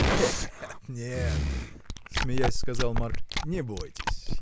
— Нет, нет, — смеясь, сказал Марк, — не бойтесь.